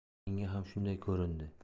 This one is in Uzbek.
menga ham shunday ko'rindi